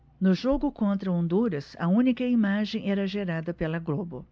no jogo contra honduras a única imagem era gerada pela globo